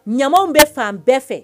Ɲamaw bɛ fan bɛɛ fɛ